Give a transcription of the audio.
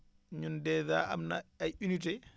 ñun dèjà am na ay unités